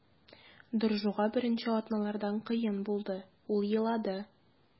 Доржуга беренче атналарда кыен булды, ул елады.